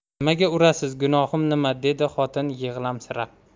nimaga urasiz gunohim nima dedi xotin yig'lamsirab